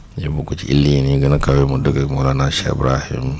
yóbbu ko ci * yi gën a akawe mu dëkk ag Mawalana Chaikh Ibrahim